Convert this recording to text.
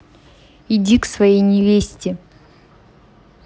иди к своей невесте